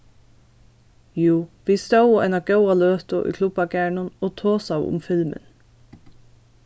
jú vit stóðu eina góða løtu í klubbagarðinum og tosaðu um filmin